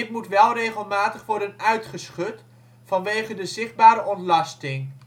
moet wel regelmatig worden uitgeschud vanwege de zichtbare ontlasting